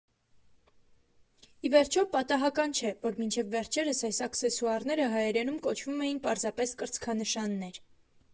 Ի վերջո, պատահական չէ, որ մինչև վերջերս այս աքսեսուարները հայերենում կոչվում էին պարզապես կրծքանշաններ։